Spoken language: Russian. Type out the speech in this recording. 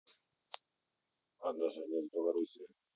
отношения с белоруссией